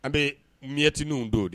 An bɛ miette nin dɔn n'o de.